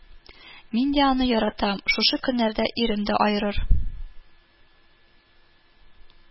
Мин дә аны яратам, шушы көннәрдә ирем дә аерыр